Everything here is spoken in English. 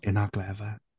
In't that clever?